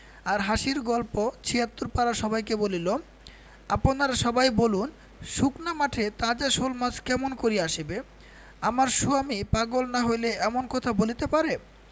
আর হাসির গল্প ৭৬ পাড়ার সবাইকে বলিল আপনারা সবাই বলুন শুকনা মাঠে তাজা শোলমাছ কেমন করিয়া আসিবে আমার সোয়ামী পাগল না হইলে এমন কথা বলিতে পারে